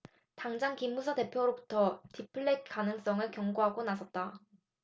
당장 김무성 대표부터 디플레 가능성을 경고하고 나섰다